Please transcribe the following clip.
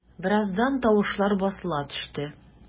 Бераздан тавышлар басыла төште.